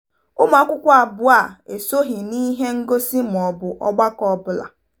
“Ụmụaka abụọ a esoghị n'ihe ngosi maọbụ ọgbakọ ọbụla.